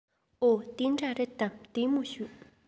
འོ དེ འདྲ རེད དམ བདེ མོ བྱོས